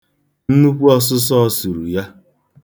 Nnukwu ọsụsọọ suru ya.